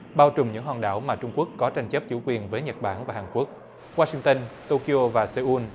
bao trùm những hòn đảo mà trung quốc có tranh chấp chủ quyền với nhật bản và hàn quốc goa xin tơn tô ki ô và sê un